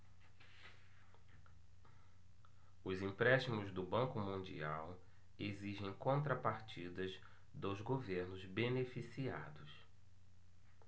os empréstimos do banco mundial exigem contrapartidas dos governos beneficiados